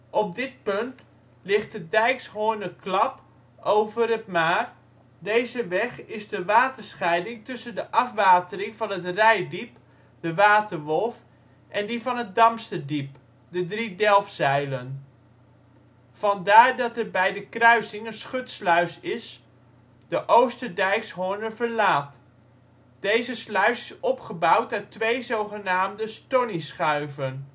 Op dit punt ligt de Dijkshornerklap over het maar. Deze weg is de waterscheiding tussen de afwatering van het Reitdiep (De Waterwolf) en die van het Damsterdiep (De Drie Delfzijlen). Vandaar dat er bij de kruising een schutsluis is, de Oosterdijkshornerverlaat. Deze sluis is opgebouwd uit twee zogenaamde stoneyschuiven